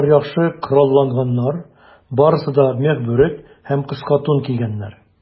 Алар яхшы коралланганнар, барысы да мех бүрек һәм кыска тун кигәннәр.